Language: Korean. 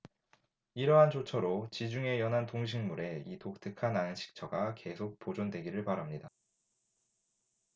이러한 조처로 지중해 연안 동식물의 이 독특한 안식처가 계속 보존되기를 바랍니다